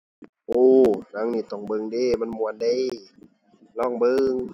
โอ้ หนังนี้ต้องเบิ่งเดะ มันม่วนเดะ ลองเบิ่ง